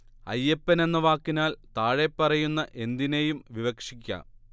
അയ്യപ്പൻ എന്ന വാക്കിനാൽ താഴെപ്പറയുന്ന എന്തിനേയും വിവക്ഷിക്കാം